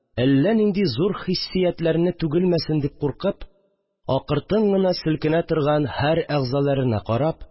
Әллә нинди зур хиссиятләрне түгелмәсен дип куркып, акыртын гына селкенә торган һәр әгъзаларына карап